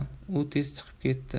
u tez chiqib ketdi